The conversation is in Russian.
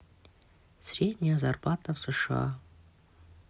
средняя зарплата в сша